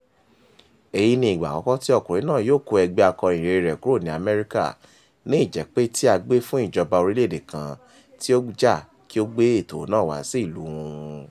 Èyí ni ìgbà àkọ́kọ́ tí ọ̀kọrin náà yóò kó ẹgbẹ́ akọrin ìyìnrere rẹ̀ kúrò ní Amẹ́ríkà, ní ìjẹ́pèe ti agbè fún ìjọba orílẹ̀ èdèe kan tí ó Ja kí ó gbé ètò náà wá sílùú òun.